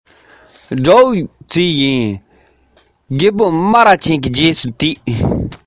ང ཚོ གཅེན གཅུང གསུམ པོ